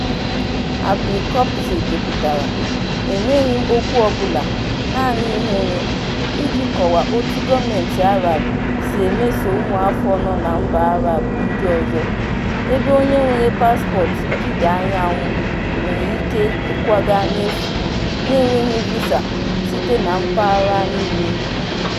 Abir Kopty depụtara, "Enweghị m okwu ọbụla, naanị ihere, iji kọwaa otu gọọmentị Arab si emeso ụmụafọ nọ na mba Arab ndị ọzọ, ebe onye nwere paspọtụ Ọdịdaanyanwụ nwere ike ịkwaga n'efu n'enweghị visa site na mpaghara niile."